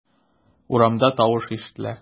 Урамда тавыш ишетелә.